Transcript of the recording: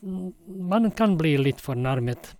Man kan bli litt fornærmet.